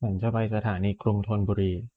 ฉันจะไปสถานีกรุงธนบุรี